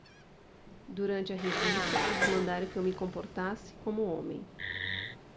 durante a revista eles mandaram que eu me comportasse como homem